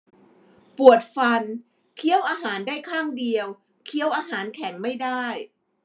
ปวดฟันเคี้ยวอาหารได้ข้างเดียวเคี้ยวอาหารแข็งไม่ได้